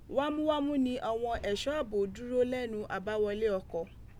Wamuwamu ni awọn ẹṣọ aabo duro lẹnu ọna abawọle ọkọ̀.